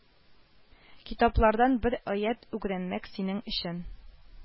Китаплардан бер аять үгрәнмәк синең өчен